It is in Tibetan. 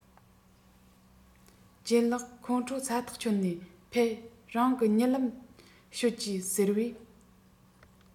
ལྗད ལགས ཁོང ཁྲོ ཟ ཐག ཆོད ནས ཕེད རང གིས གཉིད ལམ ཤོད ཀྱིས ཟེར བས